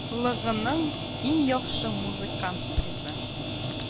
Лыгының иң яхшы музыкант призы